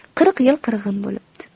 qirq yil qirg'in bo'libdi